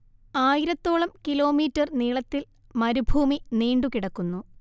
ആയിരത്തോളം കിലോമീറ്റർ നീളത്തിൽ മരുഭൂമി നീണ്ടു കിടക്കുന്നു